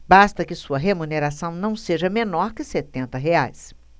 basta que sua remuneração não seja menor que setenta reais